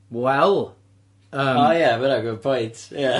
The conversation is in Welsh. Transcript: Wel yym... O ia ma' wnna'n good point ia.